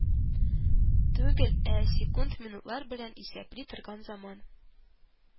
Түгел, ә секунд-минутлар белән исәпли торган заман